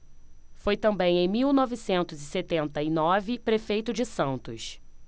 foi também em mil novecentos e setenta e nove prefeito de santos